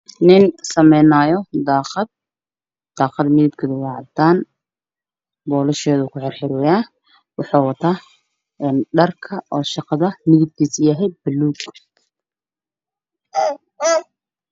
Waa nin sameynayay armaajo waxa uu wataa shati buluug ah kadib ayaa u saarno arimaha cadaan